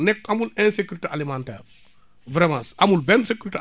nekk amul insécurité alimentaire vraiment amul benn sécurité